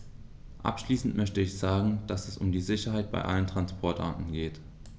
Abschließend möchte ich sagen, dass es um die Sicherheit bei allen Transportarten geht.